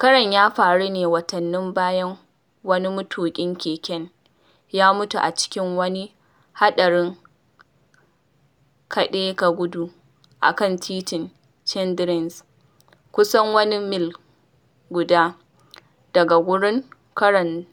Karon ya faru ne watanni bayan wani matuƙin keken ya mutu a cikin wani haɗarin kaɗe-ka-gudu a kan Titin Childers, kusan wani mil guda daga wurin karon